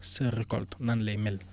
sa récolte nan lay mel